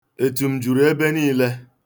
Etum juru ebe niile.